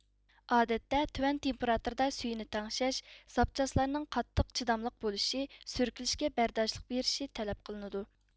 ئادەتتە تۆۋەن تېمپىراتۇرىدا سۈيىنى تەڭشەش زاپچاسلارنىڭ قاتتىق چىداملىق بولۇشى سۈركىلىشكە بەرداشلىق بېرىشى تەلەپ قىلىنىدۇ